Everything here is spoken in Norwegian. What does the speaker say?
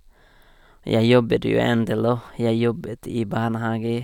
Jeg jobber jo en del òg, jeg jobbet i barnehage.